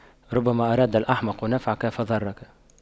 ربما أراد الأحمق نفعك فضرك